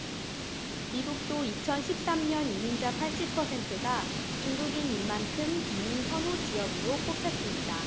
미국도 이천 십 삼 년 이민자 팔십 퍼센트가 중국인일 만큼 이민 선호 지역으로 꼽혔습니다